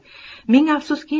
ming afsuski